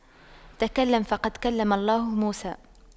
تكلم فقد كلم الله موسى